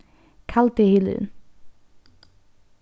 kaldi hylurin